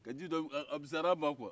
ka ji dɔ min a fisayara an ma kuwa